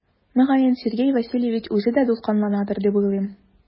Мөгаен Сергей Васильевич үзе дә дулкынланадыр дип уйлыйм.